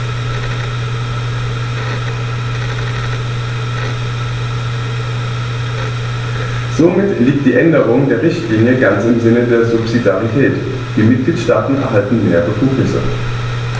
Somit liegt die Änderung der Richtlinie ganz im Sinne der Subsidiarität; die Mitgliedstaaten erhalten mehr Befugnisse.